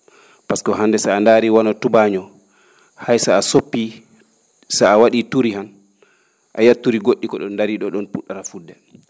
pasque o hannde so a ndaarii wona tubaañoo hay so a soppii so a wa?ii turi han a yiyat turi go??i ko ?o ndaari ?o ko ?oon pu??ara fu?de